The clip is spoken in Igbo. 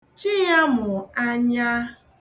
Chi ya mụ anya.